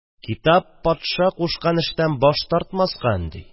– китап патша кушкан эштән баш тартмаска өнди